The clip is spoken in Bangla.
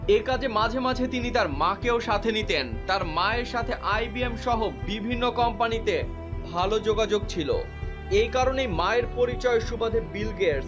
এ কাজে মাঝে মাঝে তিনি তার মাকেও সাথে নিতেন তার মায়ের সাথে আইবিএম সহ বিভিন্ন কোম্পানিতে ভালো যোগাযোগ ছিল এ কারণেই মায়ের পরিচয়ের সুবাদে বিল গেটস